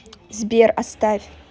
сбер оставь